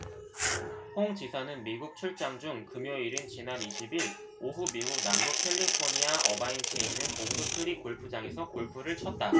홍 지사는 미국 출장 중 금요일인 지난 이십 일 오후 미국 남부 캘리포니아 어바인시에 있는 오크 크릭 골프장에서 골프를 쳤다